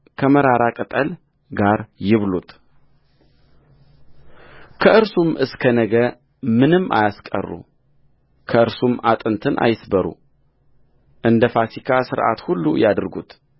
ከመራራ ቅጠል ጋር ይብሉትከእርሱም እስከ ነገ ምንም አያስቀሩ ከእርሱም አጥንትን አይስበሩ እንደ ፋሲካ ሥርዓት ሁሉ ያድርጉት